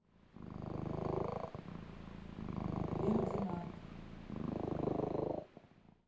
фердинанд